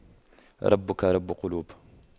ربك رب قلوب